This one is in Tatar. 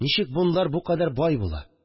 Ничек бунлар бу кадәр бай була